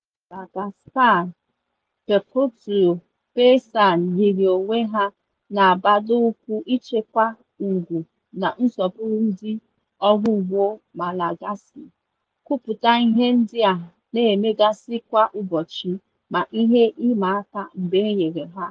Ọrụ ngo Madagascar, Bekoto Paysans yiri onwe ha na-agbado ụkwụ ichekwa ùgwù na nsọpụrụ ndị ọrụugbo Malagasy, kwupụta ihe ndị ha na-emegasị kwa ụbọchị ma ihe ịma aka mgba nyere ha.